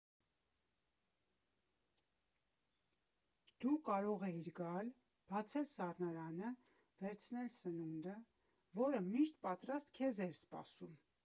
Դու կարող էիր գալ, բացել սառնարանը, վերցնել սնունդը, որը միշտ պատրաստ քեզ էր սպասում։